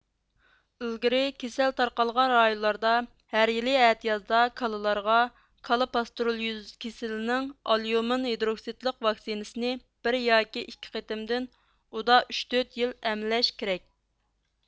ئىلگىرى كېسەل تارقالغان رايونلاردا ھەر يىلى ئەتىيازدا كالىلارغا كالا پاستېرېلليوز كېسىلىنىڭ ئاليۇمىن ھىدروكسدلىق ۋاكسىنىسىنى بىر ياكى ئىككى قېتىمدىن ئۇدا ئۈچ تۆت يىل ئەملەش كېرەك